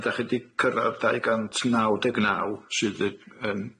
A dach chi di cyrradd dau gant naw deg naw sydd